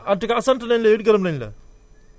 en tout cas sant nañ la yow it gërëm naén la